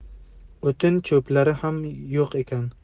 o'tin cho'plari ham yo'q ekan